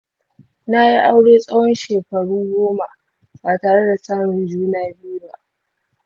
na yi aure tsawon shekaru goma ba tare da samun juna biyu ba.